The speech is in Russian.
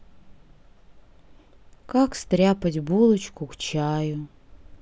как стряпать булочку к чаю